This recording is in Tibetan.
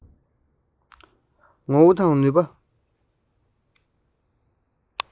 ངོ བོ དང ནུས པ